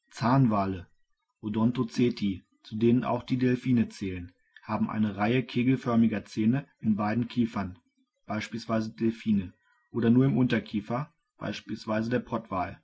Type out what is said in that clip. Zahnwale (Odontoceti), zu denen auch die Delfine zählen, haben eine Reihe kegelförmiger Zähne, in beiden Kiefern (beispielsweise Delfine) oder nur im Unterkiefer, beispielsweise der Pottwal